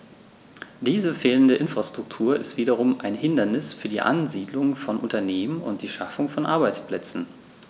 Diese fehlende Infrastruktur ist wiederum ein Hindernis für die Ansiedlung von Unternehmen und die Schaffung von Arbeitsplätzen.